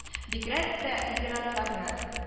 Бигрәк тә зиратларны